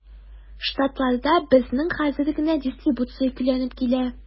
Штатларда безнең хәзер генә дистрибуция көйләнеп килә.